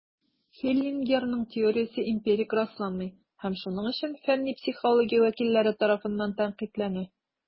Хеллингерның теориясе эмпирик расланмый, һәм шуның өчен фәнни психология вәкилләре тарафыннан тәнкыйтьләнә.